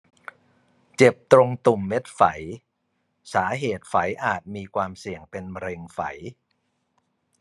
เจ็บตรงตุ่มเม็ดไฝสาเหตุไฝอาจมีความเสี่ยงเป็นมะเร็งไฝ